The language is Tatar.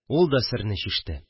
Ул да серне чиште